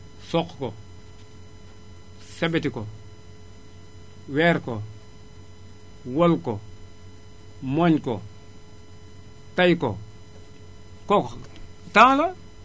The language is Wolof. soq ko sebeti ko weer ko wal ko mooñ ko tay ko kooku temps la